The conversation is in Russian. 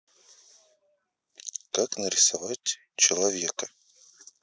как нарисовать человека